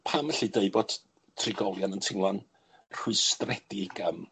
pam felly deud bod trigolion yn teimlo'n rhwystredig am